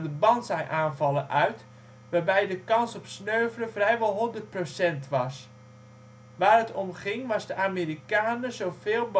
Banzai '- aanvallen uit, waarbij de kans op sneuvelen vrijwel 100 % was. Waar het om ging was de Amerikanen zoveel